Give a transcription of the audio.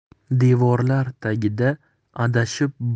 devorlar tagida adashib